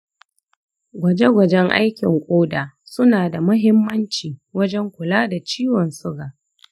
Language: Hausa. gwaje-gwajen aikin koda suna da muhimmanci wajen kula da ciwon suga.